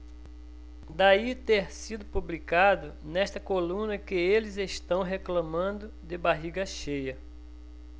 daí ter sido publicado nesta coluna que eles reclamando de barriga cheia